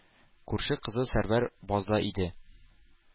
Күрше кызы Сәрвәр базда иде,